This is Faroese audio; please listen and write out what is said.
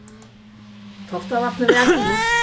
toftavatn er vakurt